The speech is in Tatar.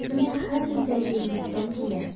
Менә хәзер дә җырлыйсым килә.